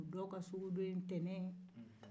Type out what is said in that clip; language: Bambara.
dɔ ka sugudon ye ntɛnɛn ye